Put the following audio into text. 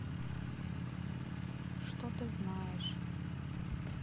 что ты знаешь